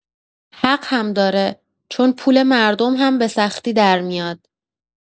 حق هم داره، چون پول مردم هم به‌سختی درمیاد.